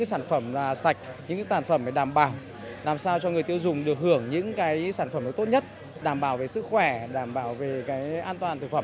sản phẩm là sạch những sản phẩm để đảm bảo làm sao cho người tiêu dùng được hưởng những cái sản phẩm tốt nhất đảm bảo về sức khỏe đảm bảo về ghế an toàn thực phẩm